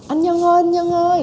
anh nhân ơi anh nhân ơi